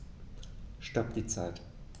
Stopp die Zeit